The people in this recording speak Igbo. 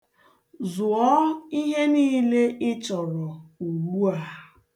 Zụọ ihe niile ị chọrọ ugbu a.